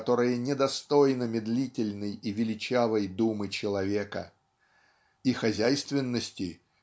которое недостойно медлительной и величавой думы человека. И хозяйственности